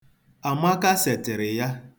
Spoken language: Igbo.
Amaka setịrị ya.